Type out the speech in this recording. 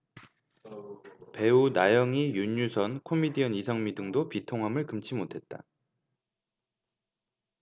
배우 나영희 윤유선 코미디언 이성미 등도 비통함을 금치 못했다